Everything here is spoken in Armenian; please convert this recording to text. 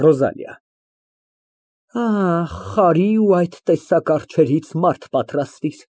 ՌՈԶԱԼԻԱ ֊ Արի ու այդ տեսակ արջերից մարդ պատրաստիր։